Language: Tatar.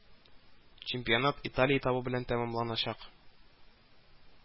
Чемпионат Италия этабы белән тәмамланачак